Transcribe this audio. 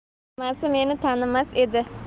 chamasi meni tanimas edi